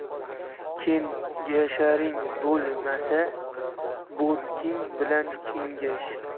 kengasharing bo'lmasa bo'rking bilan kengash